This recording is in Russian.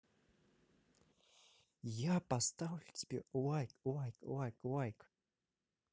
я поставлю тебе лайк лайк лайк лайк